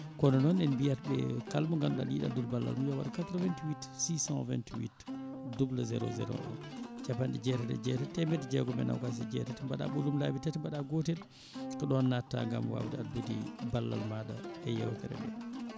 kono noon en mbiyatɓe kal mo ganduɗa ene yiiɗi addude ballal mum yo waat 88 628 00 01 capanɗe jeetati e jeetati temedde jeegom e nogas e jeetati mbaɗa ɓoolum laabi tati mbaɗa gotel ko ɗon natta gaam wawde addude ballal maɗa e yewtere nde